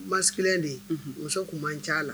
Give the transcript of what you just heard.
Ba kelen de muso tun man ca la